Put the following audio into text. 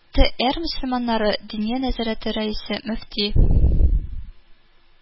ТээР Мөселманнары Диния нәзарәте рәисе, Мөфти